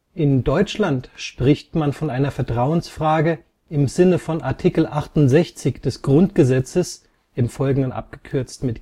In Deutschland spricht man von einer Vertrauensfrage im Sinne von Art. 68 Grundgesetz (GG